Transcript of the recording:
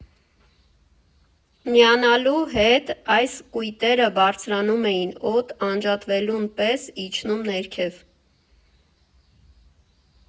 Միանալու հետ այս կույտերը բարձրանում էին օդ, անջատվելուն պես՝ իջնում ներքև։